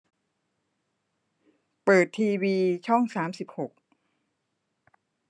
เปิดทีวีช่องสามสิบหก